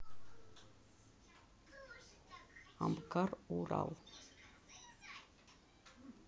амкар урал